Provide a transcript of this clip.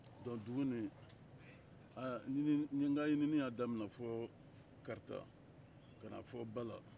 donc dugu nin n ka ɲininni y'a daminɛ fɔ karata ka na fɔ ba la